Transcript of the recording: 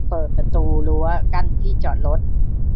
เปิดประตูรั้วกั้นที่จอดรถ